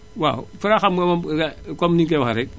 waaw Fra xam nga moom comme ni ñu koy waxee rekk